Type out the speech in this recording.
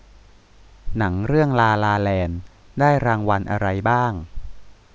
หนังเรื่องลาลาแลนด์ได้รางวัลอะไรบ้าง